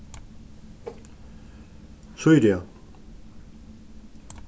sýria